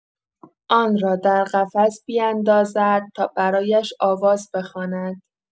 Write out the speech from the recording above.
آن را در قفس بیندازد تا برایش آواز بخواند؟!